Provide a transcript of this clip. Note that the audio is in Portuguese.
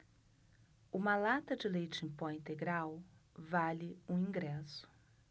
uma lata de leite em pó integral vale um ingresso